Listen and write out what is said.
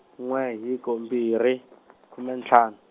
n'we hiko, n'we hiko mbirhi, khume ntlhanu.